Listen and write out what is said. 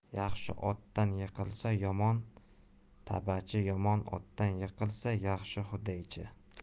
yaxshi otdan yiqilsa yomon tabachi yomon otdan yiqilsa yaxshi hudaychi